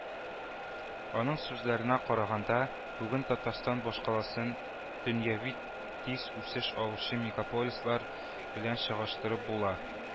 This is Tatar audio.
Аның сүзләренә караганда, бүген Татарстан башкаласын дөньяви тиз үсеш алучы мегаполислар белән чагыштырып була